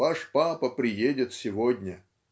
Ваш папа приедет сегодня".